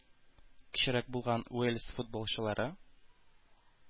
Кечерәк булган уэльс футболчылары